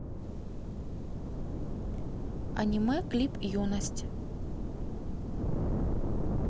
аниме клип юность